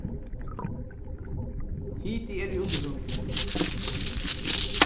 hiti er í undirgrundini